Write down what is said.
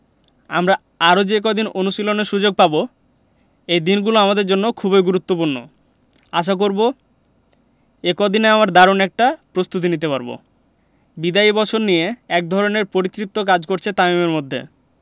আমরা আরও যে কদিন অনুশীলনের সুযোগ পাব এই দিনগুলো আমাদের জন্য খুবই গুরুত্বপূর্ণ আশা করব এই কদিনে আমার দারুণ একটা প্রস্তুতি নিতে পারব বিদায়ী বছর নিয়ে একধরনের পরিতৃপ্তি কাজ করছে তামিমের মধ্যে